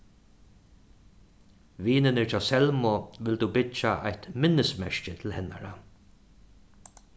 vinirnir hjá selmu vildu byggja eitt minnismerki til hennara